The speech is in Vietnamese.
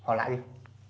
hỏi lại đi